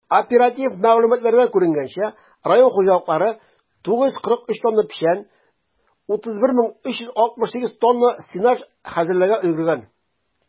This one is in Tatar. Оператив мәгълүматлардан күренгәнчә, район хуҗалыклары 943 тонна печән, 31368 тонна сенаж хәзерләргә өлгергән.